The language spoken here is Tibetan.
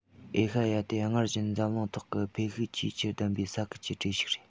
ཨེ ཤ ཡ དེ སྔར བཞིན འཛམ གླིང ཐོག གི འཕེལ ཤུགས ཆེས ཆེར ལྡན པའི ས ཁུལ གྱི གྲས ཤིག རེད